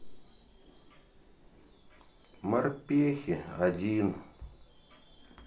морпехи один